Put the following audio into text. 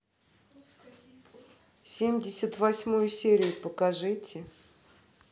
семьдесят восьмую серию покажите